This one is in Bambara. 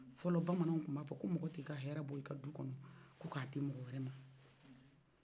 folo bamananw kun ba fɔ ko mɔgɔ tɛ i ka hɛrɛ bɔ i ka du kɔnɔ ka di mɔgɔ wɛrɛ ma